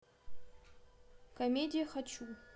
комедия хочу